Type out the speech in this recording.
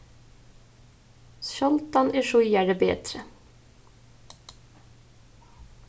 sjáldan er síðari betri